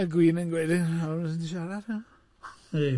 Y gwin yn gwneud...